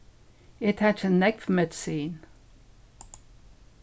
eg taki nógv medisin